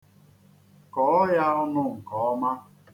Kọọ ya ọnụ nke ọma.